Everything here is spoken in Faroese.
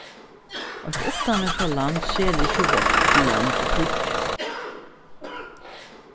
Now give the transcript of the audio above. eitt uttanveltað land selur ikki vápn til lond í kríggi